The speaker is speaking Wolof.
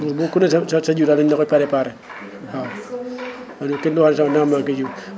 bu ku ne sa sa jiw daal dañu la koy préparé waaw xam ne kenn du wax ne sax damaa manqué jiwu